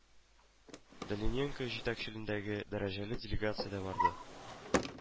Даниленко җитәкчелегендәге дәрәҗәле делегация дә барды